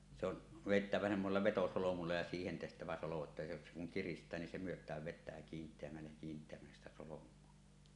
se on vedettävä semmoisella vetosolmulla ja siihen tehtävä solo että se kun se kun kiristää niin se myötää vettä kiinteämmälle ja kiinteämmälle sitä solmua